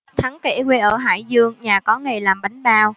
thắng kể quê ở hải dương nhà có nghề làm bánh bao